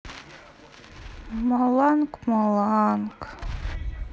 моланг моланг